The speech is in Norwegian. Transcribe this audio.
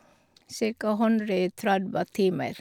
Cirka hundre tredve timer.